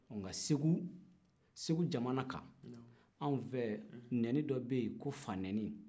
nka segu jamana kan anw fɛ nenini dɔ bɛ yen ko fa neni